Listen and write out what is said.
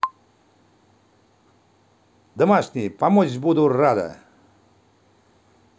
домашние помочь буду рада